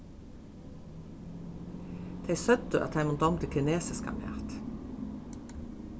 tey søgdu at teimum dámdi kinesiskan mat